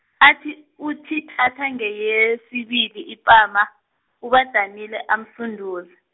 athi uthi thatha ngeyesibili ipama, uBadanile amsunduze.